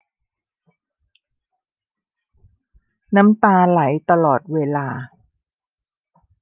น้ำตาไหลตลอดเวลา